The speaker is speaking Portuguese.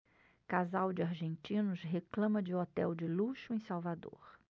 casal de argentinos reclama de hotel de luxo em salvador